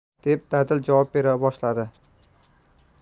deb dadil javob bera boshladi